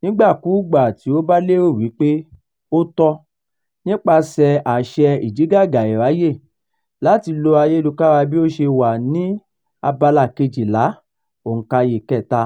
nígbàkúùgbà tí ó bá lérò wípé ó tọ́, nípasẹ̀ "Àṣẹ Ìdígàgá Ìráyè" láti lo ayélujára bí ó ti ṣe wà ní Abala 12, òǹkaye 3: